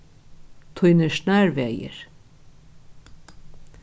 tínir snarvegir